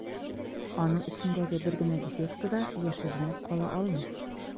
Аның эчендәге бер генә дефекты да яшеренеп кала алмый.